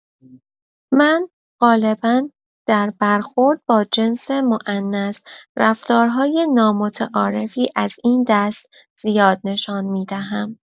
من قالبا در برخورد با جنس مونث رفتارهای نامتعارفی از این دست زیاد نشان می‌دهم.